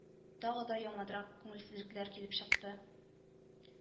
Тагы да яманрак күңелсезлекләр килеп чыкты